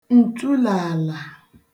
ǹtulààlà